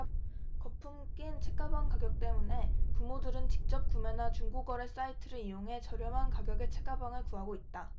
거품 낀 책가방 가격 때문에 부모들은 직접구매나 중고거래 사이트를 이용해 저렴한 가격에 책가방을 구하고 있다